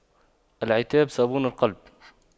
العتاب صابون القلب